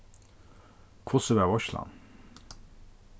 hvussu var veitslan